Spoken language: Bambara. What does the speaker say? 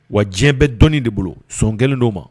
Wa diɲɛ bɛ dɔn de bolo son kelen don ma